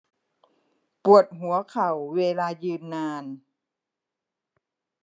ปวดหัวเข่าเวลายืนนาน